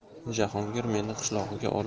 jahongir meni qishlog'iga